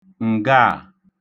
ǹga à